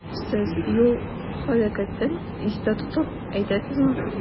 Сез юл һәлакәтен истә тотып әйтәсезме?